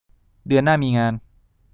เดือนหน้ามีงาน